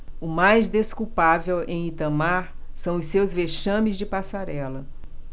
o mais desculpável em itamar são os seus vexames de passarela